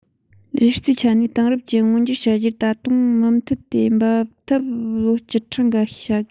གཞི རྩའི ཆ ནས དེང རབས ཅན མངོན འགྱུར བྱ རྒྱུར ད དུང མུ མཐུད དེ འབད འཐབ ལོ བཅུ ཕྲག འགའ ཤས བྱ དགོས